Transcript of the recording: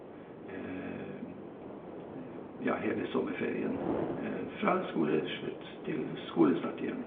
Ja, hele sommerferien fra skoleslutt til skolestart igjen.